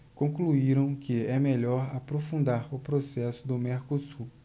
concluíram que é melhor aprofundar o processo do mercosul